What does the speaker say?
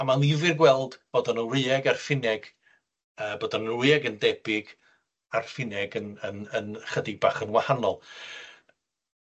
a ma' annifyr gweld bod y Norwyeg a'r Ffinneg, yy bod y Norwyeg yn debyg ar Ffinneg yn yn yn chydig bach yn wahanol.